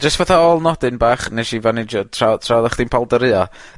Jyst fatha ôl-nodyn bach nes i fanajo tra tra oddach chdi'n